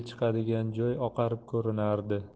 chiqadigan joy oqarib ko'rinardi